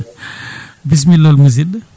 bisimilla hol musidɗo